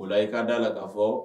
Ola i k'a daa la k kaa fɔ